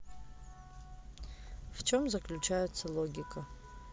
в чем заключается логика